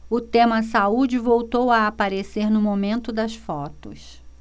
o tema saúde voltou a aparecer no momento das fotos